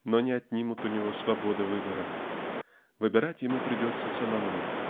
но не отнимут у него свободы выбора. Выбирать ему придется самому